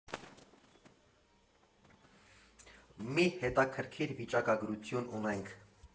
Մի հետաքրքիր վիճակագրություն ունենք.